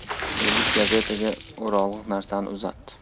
yigit gazetaga o'rog'liq narsani uzatdi